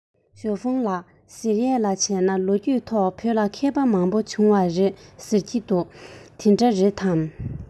ཞའོ ཧྥུང ལགས ཟེར ཡས ལ བྱས ན ལོ རྒྱུས ཐོག བོད ལ མཁས པ མང པོ བྱུང བ རེད ཟེར གྱིས དེ འདྲ རེད པས